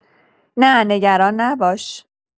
نه نگران نباش